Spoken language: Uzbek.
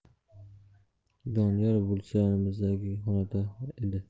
doniyor bo'lsa yonimizdagi xonada edi